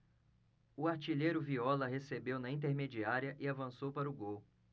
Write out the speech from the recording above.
o artilheiro viola recebeu na intermediária e avançou para o gol